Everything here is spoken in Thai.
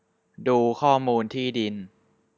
ดูข้อมูลที่ดิน